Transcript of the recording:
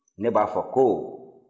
ne b'a fɔ ko